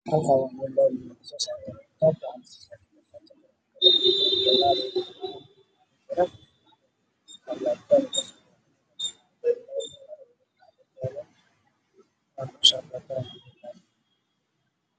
Meeshaan waa meel wada ah waxaa marayo mootobajaajka badan